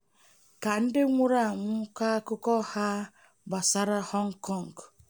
Ka ndị nwụrụ anwụ kọọ akụkọ ha gbasara Hong Kong